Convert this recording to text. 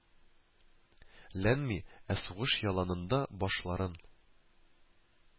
Ләнми, ә сугыш яланында башларын